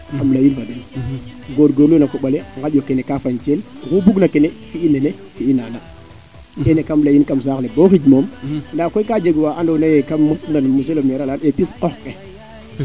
xam leyin fo den goor goorlu na koɓale ngaƴ yo kene kaa feñ teel oxu bug na kene fi'i nene fi'i nana kene kam leyin kam saax le bo xij moom nda koy ka jeg moom waa ando naye kam nam monsieur le maire a leyan e pis ox ke